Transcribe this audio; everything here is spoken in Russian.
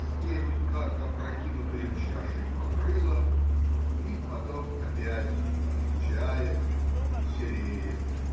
степь как опрокинутою чашей покрыло, и потом опять облегчает. сереет.